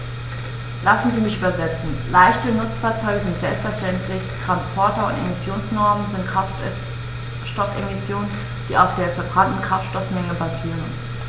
Lassen Sie mich übersetzen: Leichte Nutzfahrzeuge sind selbstverständlich Transporter, und Emissionsnormen sind Kraftstoffemissionen, die auf der verbrannten Kraftstoffmenge basieren.